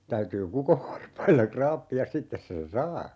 täytyy kukonvarpailla raapia sitten sen saa